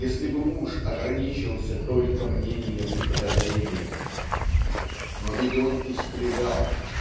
если бы муж ограничился только мнением и подозрением но ведь он и стрелял